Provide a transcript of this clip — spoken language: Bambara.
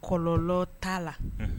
Kolontaa